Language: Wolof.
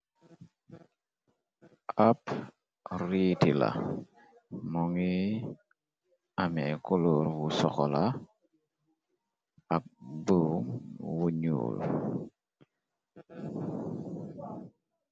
Ab riiti la mo ngi amee koloor bu soxola ak bom wu ñuul.